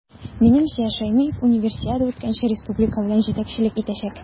Минемчә, Шәймиев Универсиада үткәнче республика белән җитәкчелек итәчәк.